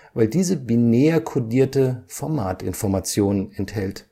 weil diese binär codierte Formatinformationen enthält